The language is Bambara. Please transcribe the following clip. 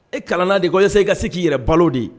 E kalan de ko walasa e ka se k'i yɛrɛ balo de